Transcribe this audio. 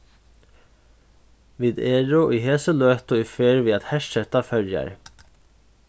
vit eru í hesi løtu í ferð við at herseta føroyar